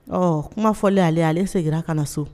Ɔ kuma fɔlen ale ale seginna ka na so